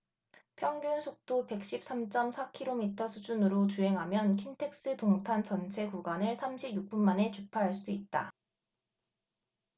평균속도 백 십 삼 쩜 사 키로미터 수준으로 주행하면 킨텍스 동탄 전체 구간을 삼십 육 분 만에 주파할 수 있다